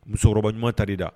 Musokɔrɔbaɲuman tari da